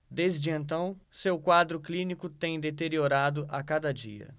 desde então seu quadro clínico tem deteriorado a cada dia